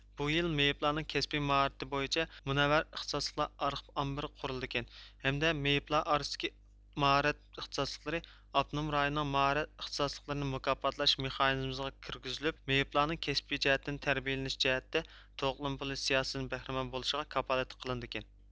بۇ يىل مېيىپلارنىڭ كەسپىي ماھارىتى بويىچە مۇنەۋۋەر ئىختىساسلىقلار ئارخىب ئامبىرى قۇرۇلىدىكەن ھەمدە مېيىپلار ئارىسىدىكى ماھارەت ئىختىساسلىقلىرى ئاپتونوم رايوننىڭ ماھارەت ئىختىساسلىقلىرىنى مۇكاپاتلاش مېخانىزمىغا كىرگۈزۈلۈپ مېيىپلارنىڭ كەسپىي جەھەتتىن تەربىيىلىنىش جەھەتتە تولۇقلىما پۇلى سىياسىتىدىن بەھرىمەن بولۇشىغا كاپالەتلىك قىلىنىدىكەن